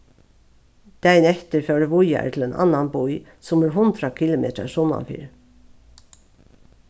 dagin eftir fór eg víðari til ein annan bý sum er hundrað kilometrar sunnanfyri